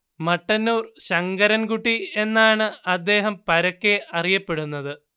മട്ടന്നൂർ ശങ്കരൻ കുട്ടി എന്നാണ് അദ്ദേഹം പരക്കെ അറിയപ്പെടുന്നത്